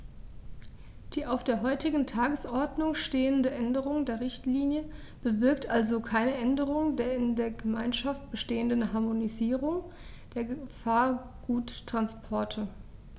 Die auf der heutigen Tagesordnung stehende Änderung der Richtlinie bewirkt also keine Änderung der in der Gemeinschaft bestehenden Harmonisierung der Gefahrguttransporte.